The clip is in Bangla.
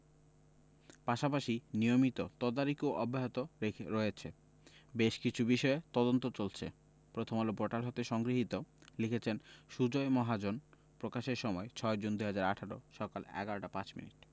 পাশাপাশি নিয়মিত তদারকিও অব্যাহত রয়েছে বেশ কিছু বিষয়ে তদন্ত চলছে প্রথমআলো পোর্টাল হতে সংগৃহীত লিখেছেন সুজয় মহাজন প্রকাশের সময় ৬জুন ২০১৮ সকাল ১১টা ৫ মিনিট